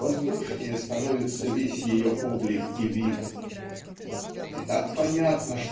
воздушнее становится весь ее облик и вид. И так понятно